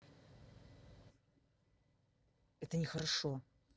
это нехорошо